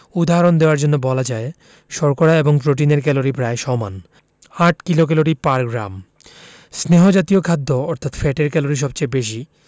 উদাহরণ দেয়ার জন্যে বলা যায় শর্করা এবং প্রোটিনের ক্যালরি প্রায় সমান ৮ কিলোক্যালরি পার গ্রাম স্নেহ জাতীয় খাদ্যে অর্থাৎ ফ্যাটের ক্যালরি সবচেয়ে বেশি